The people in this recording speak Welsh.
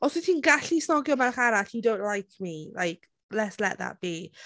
Os wyt ti'n gallu snogio merch arall, you don't like me. Like, let's let that be.